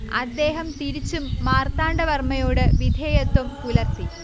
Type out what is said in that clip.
അദ്ദേഹം തിരിച്ചും മാർത്താണ്ഡ വർമ്മയോട് വിധേയത്വം പുലർത്തി